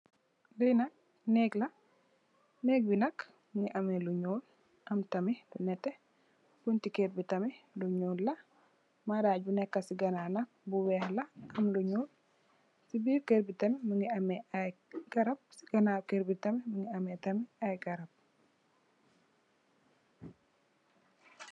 Lii nak neeg la, am lu nyuul, am tam lu nette, buntu ker bi tam am lu nyuul, maraaj bi neeka si ganaaw ta am lu weex, am lu nyuul. Si biir ker bi tam mu ngi amee ay garab.